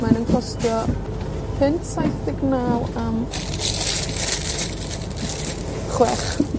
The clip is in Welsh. ma' nw'n costio punt saith deg naw am chwech.